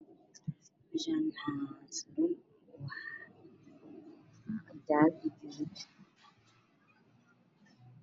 Meeshan waa laba geed oo ubax ah mudabadooda waa jaalo iyo guduud